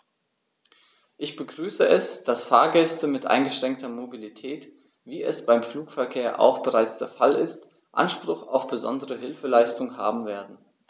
Ich begrüße es, dass Fahrgäste mit eingeschränkter Mobilität, wie es beim Flugverkehr auch bereits der Fall ist, Anspruch auf besondere Hilfeleistung haben werden.